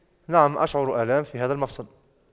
نعم أشعر الآم في هذا المفصل